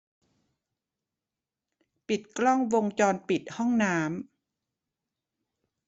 ปิดกล้องวงจรปิดห้องน้ำ